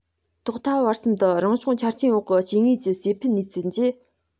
ཐོག མཐའ བར གསུམ དུ རང བྱུང ཆ རྐྱེན འོག གི སྐྱེ དངོས ཀྱི སྐྱེ འཕེལ ནུས རྩལ གྱིས